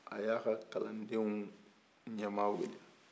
a y'a ka kalandenw ɲɛmaa weele